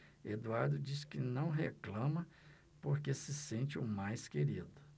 eduardo diz que não reclama porque se sente o mais querido